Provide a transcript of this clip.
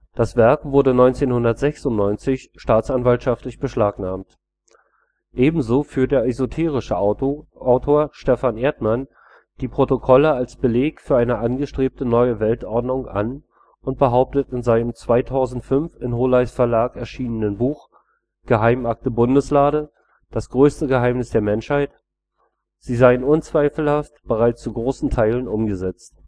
Das Werk wurde 1996 staatsanwaltlich beschlagnahmt. Ebenso führt der esoterische Autor Stefan Erdmann die Protokolle als Beleg für eine angestrebte „ Neue Weltordnung “an und behauptet in seinem 2005 in Holeys Verlag erschienenen Buch Geheimakte Bundeslade. Das größte Geheimnis der Menschheit, sie seien „ unzweifelhaft “„ bereits zu großen Teilen umgesetzt